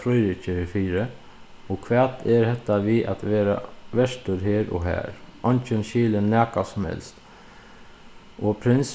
fríðriki herfyri og hvat er hetta við at vera vertur her og har eingin skilir nakað sum helst og prins